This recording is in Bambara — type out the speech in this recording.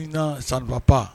INA ça ne va pas